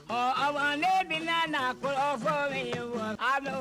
Ɔwɔ ɔwɔ ne dilan na ko ko min fɔ